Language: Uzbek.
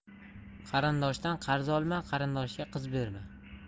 qarindoshdan qarz olma qarindoshga qiz berma